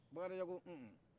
bakarijan ko unmm